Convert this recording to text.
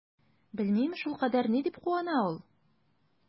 Белмим, шулкадәр ни дип куана ул?